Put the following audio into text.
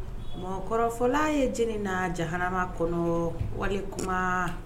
Mɔgɔ kɔrɔfɔla ye j na jamanama kɔnɔ wali kuma